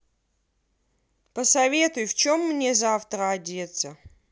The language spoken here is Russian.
посоветуй в чем мне завтра одеться